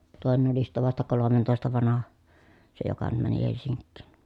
toinen oli sitten vasta kolmentoista vanha se joka nyt meni Helsinkiin